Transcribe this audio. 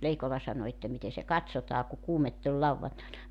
Leikola sanoi että miten se katsotaan kun kuumetta oli lauantaina